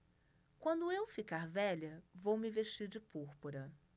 quando eu ficar velha vou me vestir de púrpura